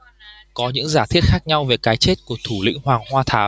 có những giả thiết khác nhau về cái chết của thủ lĩnh hoàng hoa thám